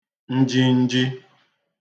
njinji